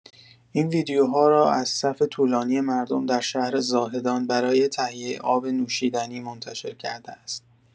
این ویدیوها را از صف طولانی مردم در شهر زاهدان برای تهیه آب نوشیدنی منتشر کرده است.